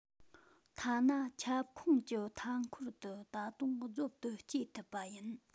ཐ ན ཁྱབ ཁོངས ཀྱི མཐའ འཁོར དུ ད དུང རྫོབ ཏུ སྐྱེ ཐུབ པ ཡིན